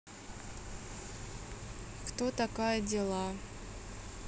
кто такая дела